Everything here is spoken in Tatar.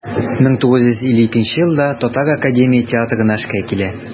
1952 елда татар академия театрына эшкә килә.